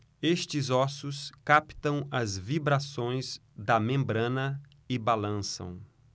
estes ossos captam as vibrações da membrana e balançam